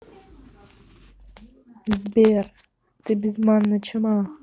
сбер ты без манная чума